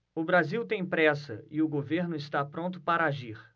o brasil tem pressa e o governo está pronto para agir